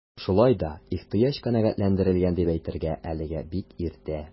Шулай да ихтыяҗ канәгатьләндерелгән дип әйтергә әлегә бик иртә.